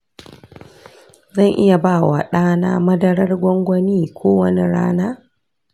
zan iya ba wa ɗa na madarar gwangwani ko wani rana?